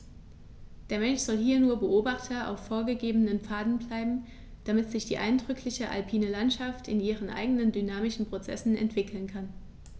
Der Mensch soll hier nur Beobachter auf vorgegebenen Pfaden bleiben, damit sich die eindrückliche alpine Landschaft in ihren eigenen dynamischen Prozessen entwickeln kann.